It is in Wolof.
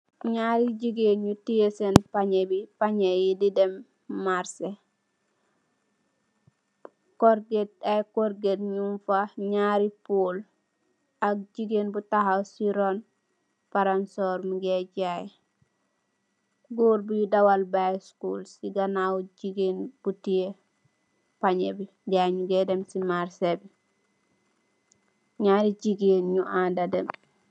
Ñaari gigeen yu teyeh sèèn pañeh yi di dem marseh, ay korget ñuñ fa, ñaari pol ak gigeen bu taxaw ci run pallansorr mugeh jaay, gór bui tawal biskul ci ganaw gigeen bu teyeh pañeh bi, ngayi ñugeh dem ci marseh bi.